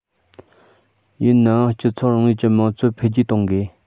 ཡིན ནའང སྤྱི ཚོགས རིང ལུགས ཀྱི དམངས གཙོ འཕེལ རྒྱས གཏོང དགོས